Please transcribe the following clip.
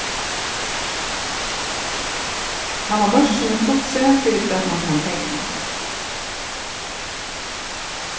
hava mørkini flutt seg fyri hvat mann kann tekna